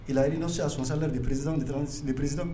I la ii na so a sonsanla de pz perez